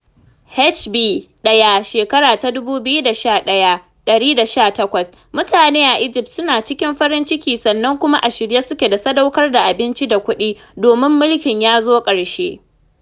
HB_1_2011: 618:mutane a Egyth suna cikin farin ciki sannan kuma a shirye suke su sadaukar da abinci da kuɗi domin mulkin ya zo ƙarshe#jan25#egypt.